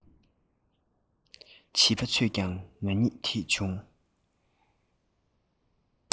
བྱིས པ ཚོས ཀྱང ང གཉིས དེད བྱུང